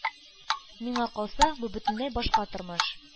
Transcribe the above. Миңа калса, бу – бөтенләй башка тормыш.